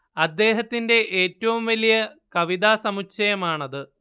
അദ്ദേഹത്തിന്റെ ഏറ്റവും വലിയ കവിതാ സമുച്ചയമാണത്